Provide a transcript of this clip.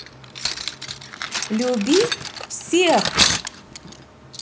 люби всех